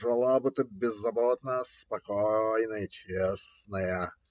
Жила бы ты беззаботно, спокойная, честная.